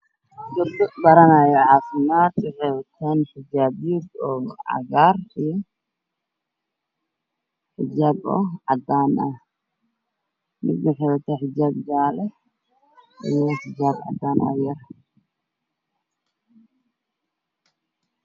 Gabdho baranaayo cafimaad waxey wataan xijaabo cadaan ah iyo galoofis